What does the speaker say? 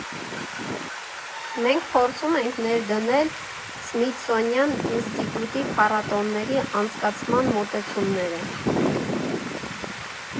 Մենք փորձում ենք ներդնել Սմիթսոնյան ինստիտուտի փառատոների անցկացման մոտեցումները։